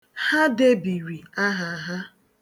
Ha debiri aha ha.